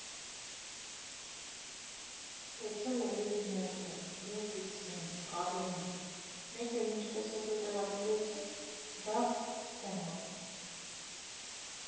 Տեսել էի Էդդի Մըրֆիին, Բիլ Հիքսին, Կառլինին, մեկ էլ, ինչպես հետո տեղը բերեցի, Դագ Սթենհոփին։